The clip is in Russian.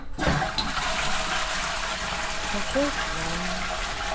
какой план